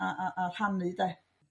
a a a rhanu de.